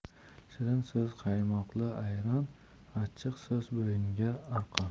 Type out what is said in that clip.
shirin so'z qaymoqli ayron achchiq so'z bo'yniga arqon